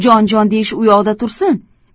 jon jon deyish u yoqda tursin